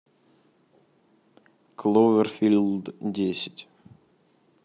кловерфилд десять